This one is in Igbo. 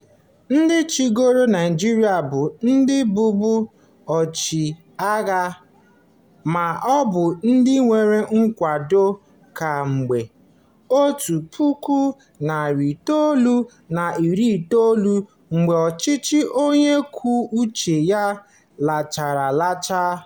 Ndị chịgoro Naịjirịa bụ ndị bụbu ọchịagha ma ọ bụ ndị nwere nkwado ha kemgbe 1999 mgbe ọchịchị onye kwuo uche ya laghachitere.